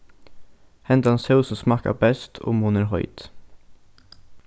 hendan sósin smakkar best um hon er heit